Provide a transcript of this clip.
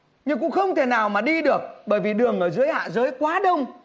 nhưng cũng không thể nào mà đi được bởi vì đường ở dưới hạ giới quá đông